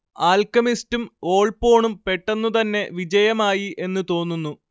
ആൽക്കെമിസ്റ്റും വോൾപ്പോണും പെട്ടെന്നുതന്നെ വിജയമായി എന്നു തോന്നുന്നു